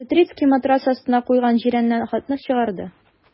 Петрицкий матрац астына куйган җирәннән хатны чыгарды.